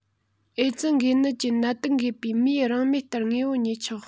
ཨེ ཙི འགོས ནད ཀྱི ནད དུག འགོས པའི མིས རང མོས ལྟར དངོས པོ ཉོས ཆོག